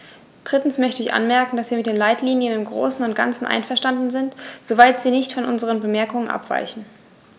Drittens möchte ich anmerken, dass wir mit den Leitlinien im großen und ganzen einverstanden sind, soweit sie nicht von unseren Bemerkungen abweichen.